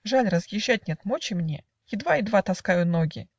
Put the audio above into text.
Жаль, разъезжать нет мочи мне; Едва, едва таскаю ноги.